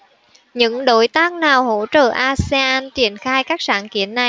những đối tác nào hỗ trợ asean triển khai các sáng kiến này